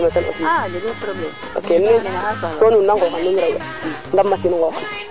wax deg i ngidme den de nda koy i sike den it yaam a re ange den i ngar ke mene